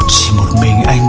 rồi em